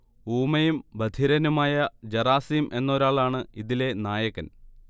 ഊമയും ബധിരനുമായ ജറാസിം എന്നൊരാളാണ് ഇതിലെ നായകൻ